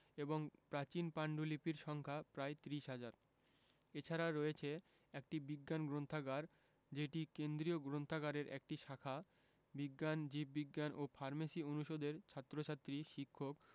এবং প্রাচীন পান্ডুলিপির সংখ্যা প্রায় ত্রিশ হাজার এছাড়া রয়েছে একটি বিজ্ঞান গ্রন্থাগার যেটি কেন্দ্রীয় গ্রন্থাগারের একটি শাখা বিজ্ঞান জীববিজ্ঞান ও ফার্মেসি অনুষদের ছাত্রছাত্রী শিক্ষক